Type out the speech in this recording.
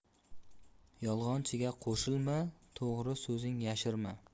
yolg'onchiga qo'shilma to'g'ri so'zing yashirma